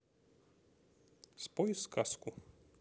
спой сказку